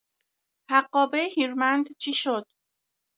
حقابه هیرمند چی شد؟